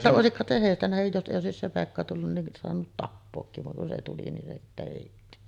vaan että olisi kai se heistä nähden jos ei olisi se Pekka tullut niin saanut tappaakin vaan kun se tuli niin se sitten heitti